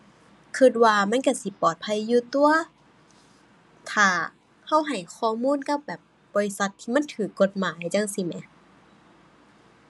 คิดว่ามันคิดสิปลอดภัยอยู่ตั่ว ถ้าคิดให้ข้อมูลกับแบบบริษัทที่มันคิดกฎหมายจั่งซี้แหม